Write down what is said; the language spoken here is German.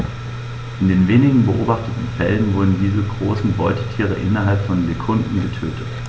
In den wenigen beobachteten Fällen wurden diese großen Beutetiere innerhalb von Sekunden getötet.